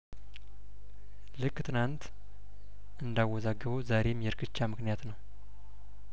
ልክ ትናንት እንዳወዛገበው ዛሬም የእርክቻ ምክንያት ነው